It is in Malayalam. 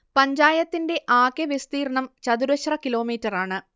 പഞ്ചായത്തിന്റെ ആകെ വിസ്തീർണം ചതുരശ്ര കിലോമീറ്ററാണ്